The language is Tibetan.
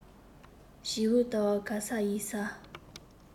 བྱིའུ དག གབ ས ཡིབ ས